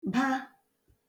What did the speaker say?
ba